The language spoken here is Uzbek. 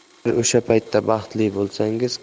agar o'sha paytda baxtli bo'lsangiz